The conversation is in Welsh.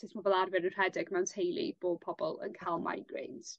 sut m'o fel arfer yn rhedeg mewn teulu bo' pobol yn ca'l migraines.